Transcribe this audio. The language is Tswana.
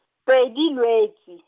pedi Lwetse.